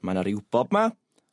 ma' 'na riwbob 'ma